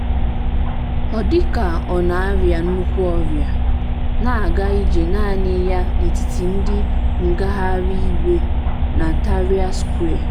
Ọ dị ka ọ na-arịa nnukwu ọrịa, na-aga ije naanị ya n'etiti ndị ngagharị iwe na Tahrir square.